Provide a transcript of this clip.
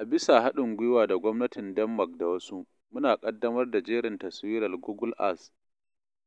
A bisa haɗin gwiwa da gwamnatin Denmark da wasu, muna ƙaddamar da jerin taswirar Google Earth